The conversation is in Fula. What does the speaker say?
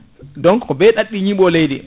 donc ko be ɗaɗi ɗi ñiiɓo leydi